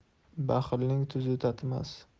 baxilning tuzi tatimas